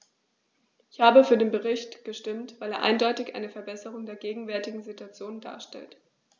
Ich habe für den Bericht gestimmt, weil er eindeutig eine Verbesserung der gegenwärtigen Situation darstellt.